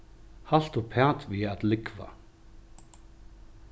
halt uppat við at lúgva